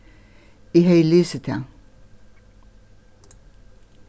eg hevði lisið tað